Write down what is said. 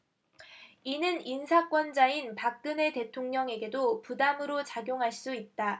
이는 인사권자인 박근혜 대통령에게도 부담으로 작용할 수 있다